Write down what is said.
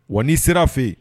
Wa n'i sera fɛ yen